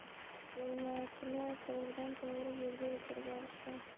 yoymachilar to'g'ridan to'g'ri yerga o'tirib olishgan